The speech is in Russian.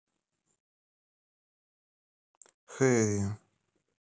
harry